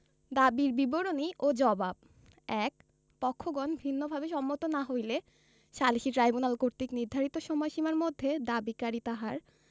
দাবীর বিবরণী ও জবাব ১ পক্ষগণ ভিন্নভাবে সম্মত না হইলে সালিসী ট্রাইব্যুনাল কর্তৃক নির্ধারিত সময়সীমার মধ্যে দাবীকারী তাহার